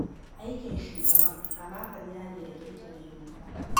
Aikin shugaban kama-karya ne da ƙetare doka.